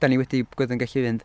Dan ni wedi bod yn gallu fynd...